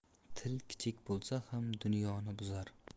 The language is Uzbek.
til kichik bo'lsa ham dunyoni buzar